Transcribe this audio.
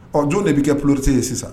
Ɔ jo de bɛ kɛ porote ye sisan